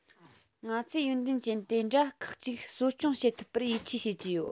ང ཚོས ཡོན ཏན ཅན དེ འདྲ ཁག གཅིག གསོ སྐྱོང བྱེད ཐུབ པར ཡིད ཆེས བྱེད ཀྱི ཡོད